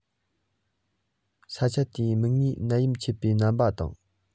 ས ཆ དེའི མིག སྔའི ནད ཡམས མཆེད པའི རྣམ པ དང